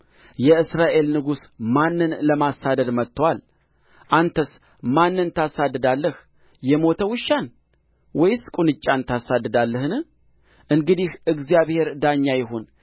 የእስራኤል ንጉሥ ማንን ለማሳደድ መጥቶአል አንተስ ማንን ታሳድዳለህ የሞተ ውሻን ወይስ ቁንጫን ታሳድዳለህን እንግዲህ እግዚአብሔር ዳኛ ይሁን